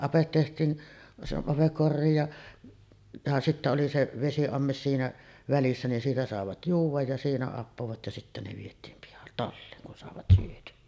ape tehtiin se ape koriin ja ja sitten oli se vesiamme siinä välissä niin siitä saivat juoda ja siinä appoivat ja sitten ne vietiin - talliin kun saivat syötyä